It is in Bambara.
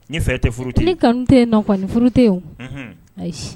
Ni fɛ tɛte ni kanu tɛ nɔ tɛ o ayi